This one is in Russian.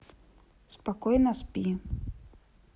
спокойно спи